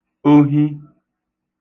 ohi